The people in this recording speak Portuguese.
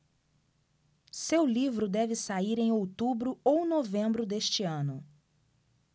seu livro deve sair em outubro ou novembro deste ano